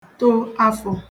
to afọ̄